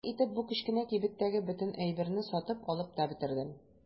Шулай итеп бу кечкенә кибеттәге бөтен әйберне сатып алып та бетердем.